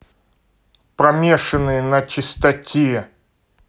помешанные на чистоте